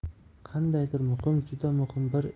qandaydir muhim juda muhim